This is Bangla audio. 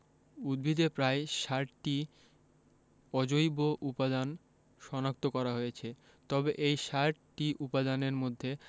উদ্ভিদে প্রায় ৬০টি অজৈব উপাদান শনাক্ত করা হয়েছে তবে এই ৬০টি উপাদানের মধ্যে